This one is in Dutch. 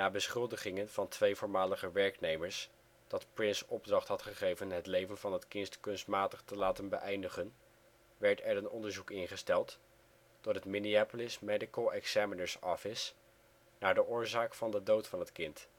beschuldigingen van twee voormalige werknemers dat Prince opdracht had gegeven het leven van het kind kunstmatig te laten beëindigen, werd er een onderzoek ingesteld door het Minneapolis medical examiner 's office naar de oorzaak van de dood van het kind